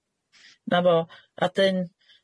Na fo a-dyn.